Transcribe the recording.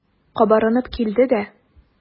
Кабарынып килде дә.